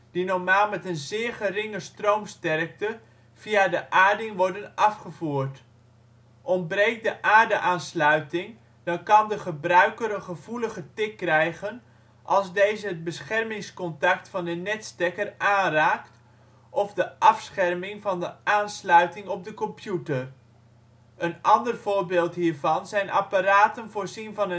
die normaal met een zeer geringe stroomsterkte via de aarding worden afgevoerd. Ontbreekt de aardeaansluiting, dan kan de gebruiker een gevoelige tik krijgen als deze het beschermingscontact van de netstekker aanraakt of de afscherming van de aansluiting op de computer. Een ander voorbeeld hiervan zijn apparaten voorzien van